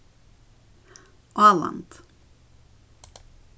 áland